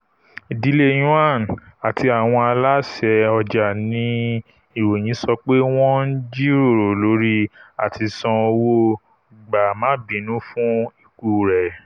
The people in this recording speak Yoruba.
Ìdíle Yuan àti àwọn aláṣẹ ọjà ni ìròyìn sọ pé wọn ti ńjíròrò lórí àti san owó gbà-maá-bínu fún ikú rẹ̀.